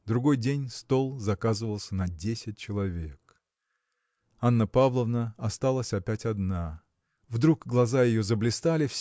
Другой день стол заказывался на десять человек. Анна Павловна осталась опять одна. Вдруг глаза ее заблистали